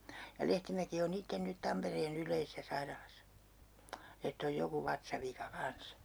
ja Lehtimäki on itse nyt Tampereen yleisessä sairaalassa että on joku vatsavika kanssa